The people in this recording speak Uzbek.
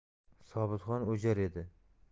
sobitxon o'jar edi